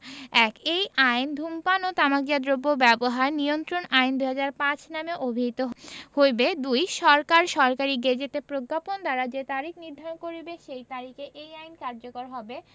১ এই অঅইন ধূমপান ও তামাকজাত দ্রব্য ব্যবহার নিয়ন্ত্রণ আইন ২০০৫ নামে অভিহিত হইবে ২ সরকার সরকারী গেজেটে প্রজ্ঞাপন দ্বারা যে তারিখ নির্ধারণ করিবে সেই তারিখে এই আইন কার্যকর হবে